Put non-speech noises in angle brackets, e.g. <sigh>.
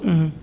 <hesitation> <hesitation>